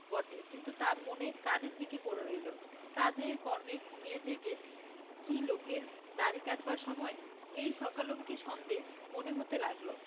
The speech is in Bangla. বটে কিন্তু তার মন সেই কাটা কানের দিকে পড়ে রইল কাজে কর্মে ঘুমিয়ে জেগে কী লোকের দাড়ি কাটবার সময় কী সকালম কী সন্ধ্যা মনে হতে লাগল